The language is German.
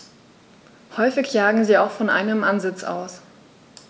Häufig jagen sie auch von einem Ansitz aus.